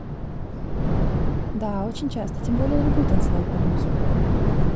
да очень часто тем более я люблю танцевать под музыку